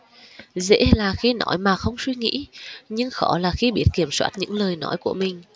dễ là khi nói mà không suy nghĩ nhưng khó là khi biết kiểm soát những lời nói của mình